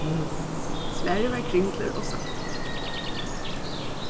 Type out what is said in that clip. svarið var kringlur og saft